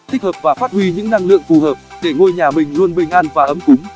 tích hợp và phát huy những năng lượng phù hợp để ngôi nhà mình luôn bình an và ấm cúng